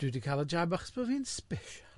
Dwi 'di cael y jab achos bo' fi'n sbesial.